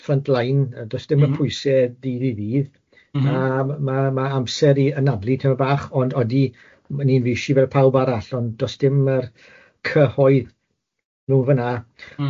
front line yy do's dim y pwyse dydd i ddydd... M-hm. ...na ma' ma' amser i anadlu timyn bach ond odi ni'n fishi fel pawb arall ond do's dim yr cyhoedd nhw fanna... M-hm.